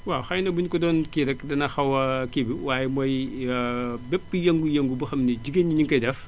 waaw xëy na buñu ko doon kii rekk dina xaw a kii waaye mooy bépp yëngu-yëngu boo xam ni jigéen ñi ñu ngi koy def